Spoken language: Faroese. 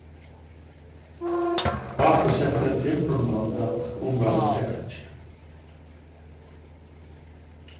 pápi setti ein timburmann at umvæla takið